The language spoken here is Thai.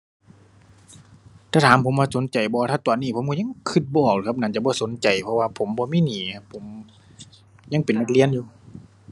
ถ้าถามผมว่าสนใจบ่ ถ้าตอนนี้ผมก็ยังก็บ่ออกครับ น่าจะบ่สนใจ เพราะว่าผมบ่มีหนี้ครับ ผมยังเป็นนักเรียนอยู่